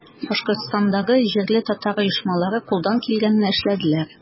Башкортстандагы җирле татар оешмалары кулдан килгәнне эшләделәр.